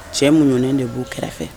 Cɛ munɲɛ de b'u kɛrɛfɛ